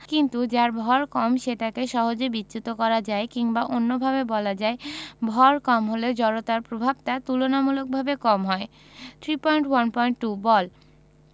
কিন্তু যার ভয় কম সেটাকে সহজে বিচ্যুত করা যায় কিংবা অন্যভাবে বলা যায় ভর কম হলে জড়তার প্রভাবটা তুলনামূলকভাবে কম হয় 3.1.2 বল